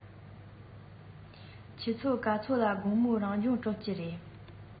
ཆུ ཚོད ག ཚོད ལ དགོང མོའི རང སྦྱོང གྲོལ ཀྱི རེད